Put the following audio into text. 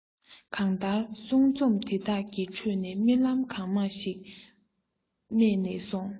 གང ལྟར གསུང རྩོམ འདི དག གི ཁྲོད ནས རྨི ལམ གང མང ཞིག རྨས ནས ཡོང